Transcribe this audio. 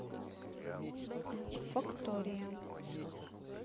фактория